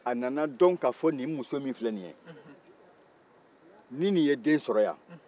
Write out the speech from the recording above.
a nana dɔn k'a fɔ nin min filɛ nin ye ni nin ye den sɔrɔ yan